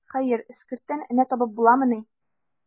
Хәер, эскерттән энә табып буламыни.